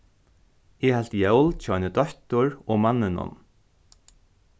eg helt jól hjá eini dóttur og manninum